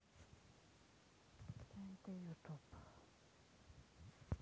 тнт ютуб